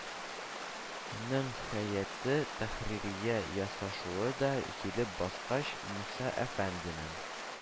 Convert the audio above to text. Нең һәйәте тәхририя ясашуы да килеп баскач: «муса әфәнденең